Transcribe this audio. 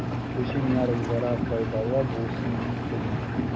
Бу семинар үзара файдалы булсын дип телим.